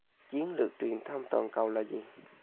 chiến lược truyền thông toàn cầu là gì